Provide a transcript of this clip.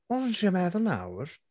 O dwi'n trio meddwl nawr.